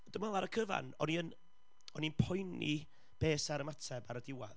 Dwi'n meddwl ar y cyfan, o'n i yn- o'n i'n poeni, be 'sa'r ymateb ar y diwedd,